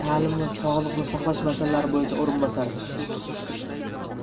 va sog'liqni saqlash masalalari bo'yicha o'rinbosari